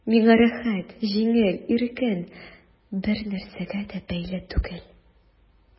Миңа рәхәт, җиңел, иркен, бернәрсәгә дә бәйле түгел...